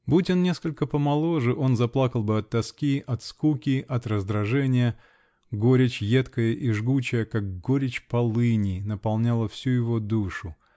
Будь он несколько помоложе -- он заплакал бы от тоски, от скуки, от раздражения: горечь едкая и жгучая, как горечь полыни, наполняла всю его душу.